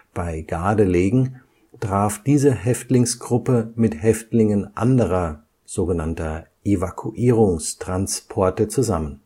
Bei Gardelegen traf diese Häftlingsgruppe mit Häftlingen anderer „ Evakuierungstransporte “zusammen